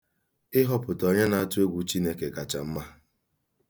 Ịhọpụta onye na-atụ egwu Chineke kacha mma.